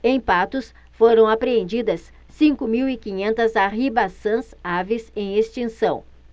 em patos foram apreendidas cinco mil e quinhentas arribaçãs aves em extinção